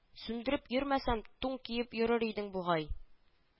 Сүндереп йөрмәсәм, тун киеп йөрер идең бугай